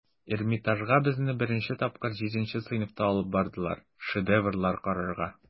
Эрмитажга безне беренче тапкыр җиденче сыйныфта алып бардылар, шедеврлар карарга.